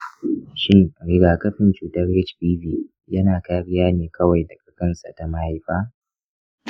shin rigakafin cutar hpv yana kariya ne kawai daga kansa ta mahaifa?